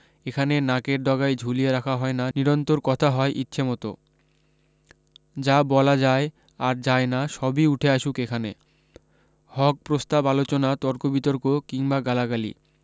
এখানে নাকের ডগায় ঝুলিয়ে রাখা হয় না নিরন্তর কথা হয় ইচ্ছেমতো যা বলা যায় আর যায় না সবি উঠে আসুক এখানে হক প্রস্তাব আলোচনা তর্ক বিতর্ক কিংবা গালাগালি